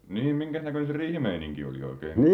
niin minkäs näköinen se riihimeininki oli oikein